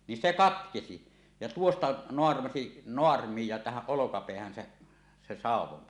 niin se katkesi ja tuosta naarmaisi naarmun ja tähän olkapäähän se se sauvoin